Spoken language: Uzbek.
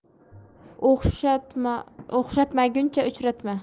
o'xshatmaguncha uchratmas